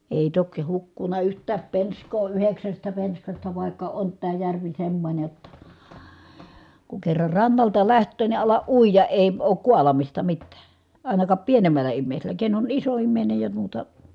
ei toki hukkunut yhtään penskaa yhdeksästä penskasta vaikka on tämä järvi semmoinen jotta kun kerran rannalta lähtee niin ala uida ei ole kaalaamista mitään ainakaan pienemmällä ihmisellä ken on iso ihminen ja muuta